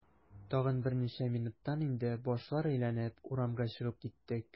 Тагын берничә минуттан инде башлар әйләнеп, урамга чыгып киттек.